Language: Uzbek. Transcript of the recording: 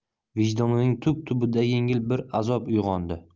vijdonining tub tubida yengil bir azob uyg'ondi